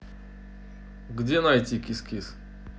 где найти кис кис